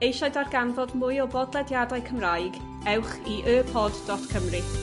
eisiau darganfod mwy o bodlediadau Cymraeg ewch i y-pod dot Cymru.